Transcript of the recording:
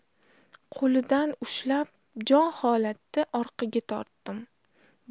qo'lidan ushlab jonholatda orqaga tortdim